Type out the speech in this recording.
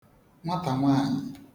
nwatànwaanyị